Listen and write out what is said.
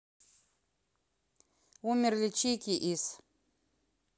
умер ли чики из